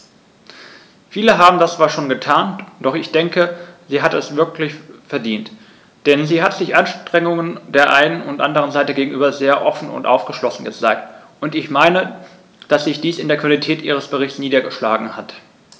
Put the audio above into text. Viele haben das zwar schon getan, doch ich denke, sie hat es wirklich verdient, denn sie hat sich Anregungen der einen und anderen Seite gegenüber sehr offen und aufgeschlossen gezeigt, und ich meine, dass sich dies in der Qualität ihres Berichts niedergeschlagen hat.